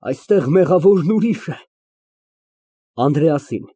Այստեղ մեղավորն ուրիշ է։ (Անդրեասին)